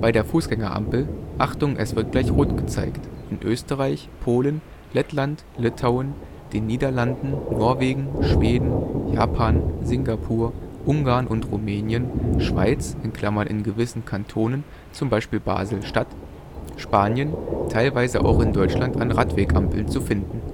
der Fußgängerampel: Achtung, es wird gleich Rot gezeigt in Österreich, Polen, Lettland, Litauen, den Niederlanden, Norwegen, Schweden, Japan, Singapur, Ungarn und Rumänien, Schweiz (in gewissen Kantonen, z. B. Basel-Stadt), Spanien, teilweise auch in Deutschland an Radwegampeln zu finden